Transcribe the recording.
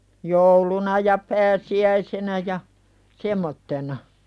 jouluna ja pääsiäisenä ja semmoisena